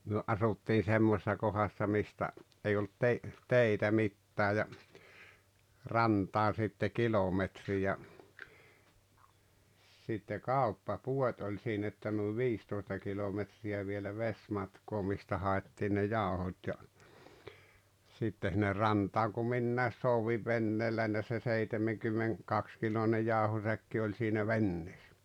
me asuttiin semmoisessa kohdassa mistä ei ollut - teitä mitään ja rantaan sitten kilometri ja sitten kauppapuoti oli siinä että noin viisitoista kilometriä vielä vesimatkaa mistä haettiin ne jauhot ja sitten sinne rantaan kun minäkin soudin veneelläni ja se - seitsemänkymmentäkaksikiloinen jauhosäkki oli siinä veneessä